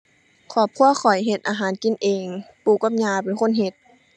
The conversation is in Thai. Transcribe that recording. ครอบครัวข้อยเฮ็ดอาหารกินเอง ปู่กับย่าเป็นคนเฮ็ด